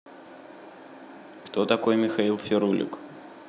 кто такой михаил ферулик